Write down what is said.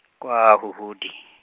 kwa Huhudi.